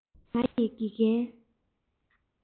ང ཡི དགེ རྒན